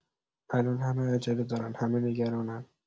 الان همه عجله دارن، همه نگرانن.